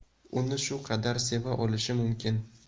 uni shu qadar seva olishi mumkin